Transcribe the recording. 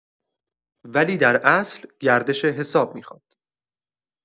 ولی در اصل گردش حساب میخواد.